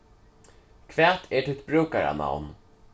hvat er títt brúkaranavn